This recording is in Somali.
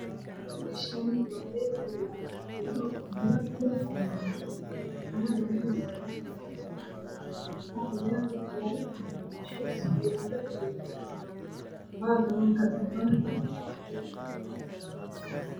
Meeshaan waa meel hool ah waxaa joogo wiilal iyo hal gabar. Gabadhu waxay wadataa taraaxad qaxwi ah iyo oikiyaalo madow ah kursi gaduudan ayay kufadhisaa baagaroonka dambe waa qaxwi.